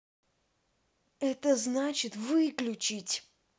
это значит выключить